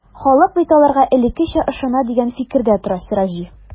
Халык бит аларга элеккечә ышана, дигән фикердә тора Сираҗи.